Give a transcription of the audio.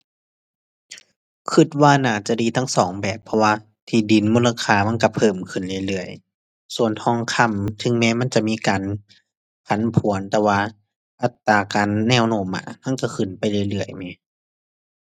คิดว่าน่าจะดีทั้งสองแบบ เพราะว่าที่ดินมูลค่ามันคิดเพิ่มขึ้นเรื่อยเรื่อย ส่วนทองคำถึงแม้มันจะมีการผันผวน แต่ว่าอัตราการแนวโน้มอะ มันคิดขึ้นไปเรื่อยเรื่อยแหม